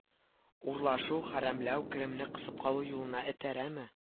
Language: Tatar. Урлашу хәрәмләү керемне кысып калу юлына этәрәме